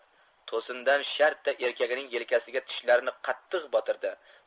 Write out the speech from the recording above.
to'sindan shartta erkagining yelkasiga tishlarini qattiq botirdi